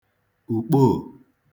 ùkpoò